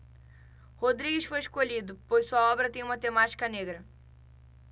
rodrigues foi escolhido pois sua obra tem uma temática negra